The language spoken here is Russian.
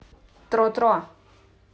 тро тро